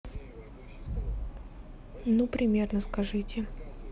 ну примерно скажите